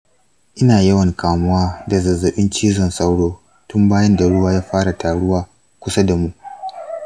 ina yawan kamuwa da zazzaɓin cizon sauro tun bayan da ruwa ya fara taruwa kusa da mu.